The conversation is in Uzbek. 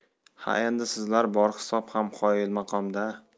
ha endi sizlar bor hisob ham qoyili maqom da